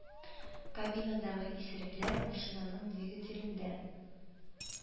Кабинадагы исерекләр машинаның двигателен дә